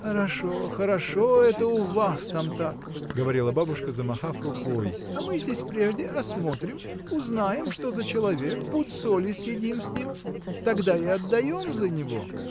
— Хорошо, хорошо, это у вас там так, — говорила бабушка, замахав рукой, — а мы здесь прежде осмотрим, узнаем, что за человек, пуд соли съедим с ним, тогда и отдаем за него.